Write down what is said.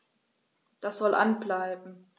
Das soll an bleiben.